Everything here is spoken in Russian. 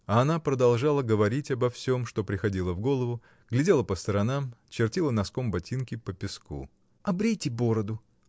А она продолжала говорить обо всем, что приходило в голову, глядела по сторонам, чертила носком ботинки по песку. — Обрейте бороду!